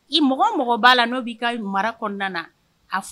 I mɔgɔ mɔgɔ b'a lao b'i ka mara kɔnɔna